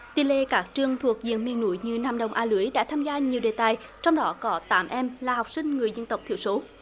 tỷ lệ các trường thuộc diện miền núi như nam đông a lưới đã tham gia nhiều đề tài trong đó có tám em là học sinh người dân tộc thiểu số